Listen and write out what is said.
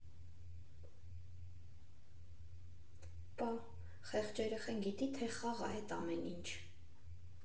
Պա՜հ, խեղճ երեխեն գիտի թե խաղ ա էդ ամեն ինչ։